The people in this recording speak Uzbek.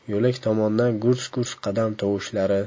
yo'lak tomondan gurs gurs qadam tovushlari